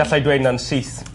...galai ddweud 'na'n syth.